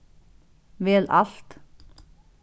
vel alt